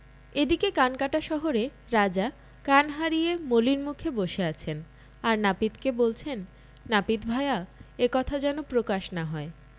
এদিকে কানকাটা শহরে রাজা কান হারিয়ে মলিন মুখে বসে আছেন আর নাপিতকে বলছেন নাপিত ভায়া এ কথা যেন প্রকাশ না হয়